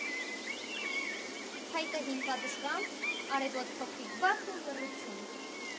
Փայտե հին պատշգամբ, արևոտ, փոքրիկ բակ ու լռություն։